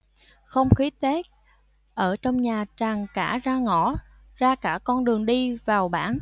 không khí tết ở trong nhà tràn cả ra ngõ ra cả con đường đi vào bản